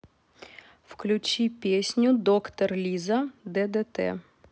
включи песню доктор лиза ддт